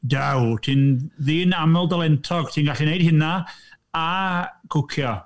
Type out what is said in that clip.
Dow, ti'n ddyn amldalentog, ti'n gallu wneud hynna a cwcio.